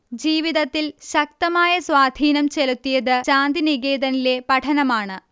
ജീവിതത്തിൽ ശക്തമായ സ്വാധീനം ചെലുത്തിയത് ശാന്തിനികേതനിലെ പഠനമാണ്